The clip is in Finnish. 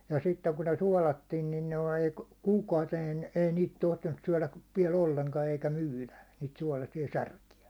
ja sitten kun ne suolattiin niin noin kuukauteen ei niitä tohtinut syödä vielä ollenkaan eikä myydä niitä suolaisia särkiä